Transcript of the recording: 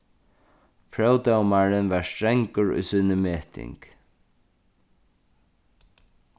próvdómarin var strangur í síni meting